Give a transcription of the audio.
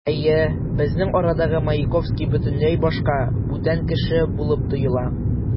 Әйе, безнең арадагы Маяковский бөтенләй башка, бүтән кеше булып тоела.